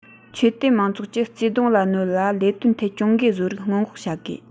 ཆོས དད མང ཚོགས ཀྱི བརྩེ དུང ལ གནོད ལ ལས དོན ཐད གྱོང གུན བཟོ རིགས སྔོན འགོག བྱ དགོས